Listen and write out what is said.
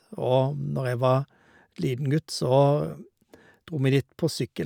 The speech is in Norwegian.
Og når jeg var liten gutt, så dro vi dit på sykkel.